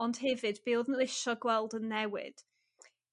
ond hefyd be' oddyn nw isio gweld yn newid.